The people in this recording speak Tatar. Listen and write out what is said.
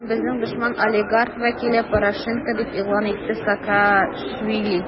Безнең дошман - олигархат вәкиле Порошенко, - дип игълан итте Саакашвили.